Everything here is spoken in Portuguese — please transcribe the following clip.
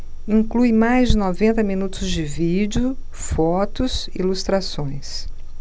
inclui mais de noventa minutos de vídeo fotos e ilustrações